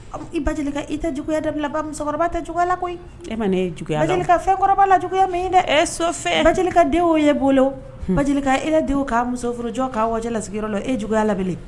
I ba i tɛ juguya dabila musokɔrɔba tɛ juguya la koyi e ma ne juguya fɛnkɔrɔba la juguyaya ma i ne e so fɛ badenw ye bolo ba e denw ka musof furujɔ ka wala sigiyɔrɔ la e juguyaya labɛnb